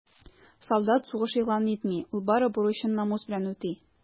Солдат сугыш игълан итми, ул бары бурычын намус белән үти.